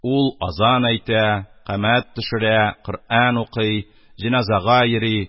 Ул азан әйтә, камәт төшерә, Коръән укый, җеназага йөри —